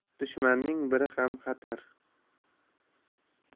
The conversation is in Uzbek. dushmanning biri ham xatar